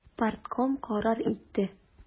Партком карар итте.